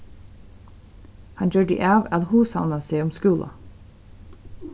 hann gjørdi av at hugsavna seg um skúlan